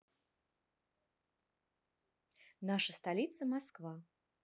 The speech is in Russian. наша столица москва